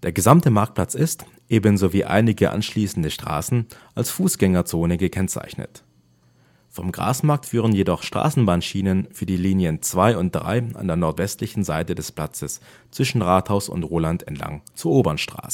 gesamte Marktplatz ist, ebenso wie einige anschließende Straßen, als Fußgängerzone gekennzeichnet. Vom Grasmarkt führen jedoch Straßenbahnschienen für die Linien 2 und 3 an der nordwestlichen Seite des Platzes zwischen Rathaus und Roland entlang zur Obernstraße